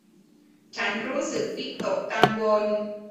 ฉันรู้สึกวิตกกังวล